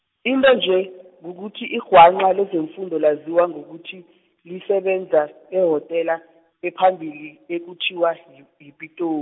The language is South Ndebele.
into nje , kukuthi irhwanqa lezemfundo laziwa ngokuthi, lisebenza ehotela, ephambili, ekuthiwa yi- yiPito-.